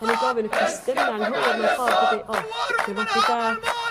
'dan ni'n gofyn y cwestiyna' anghywir mewn ffordd dydi o 'di 'di o fabi da?